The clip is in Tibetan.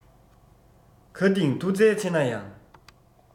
མཁའ ལྡིང མཐུ རྩལ ཆེ ན ཡང